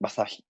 fatha ll-